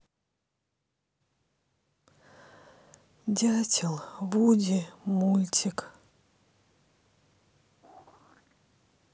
дятел вуди мультик